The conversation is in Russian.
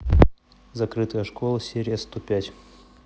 закрытая школа серия сто пять